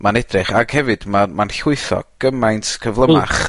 ma'n edrych ag hefyd ma' ma'n llwytho gymaint cyflymach...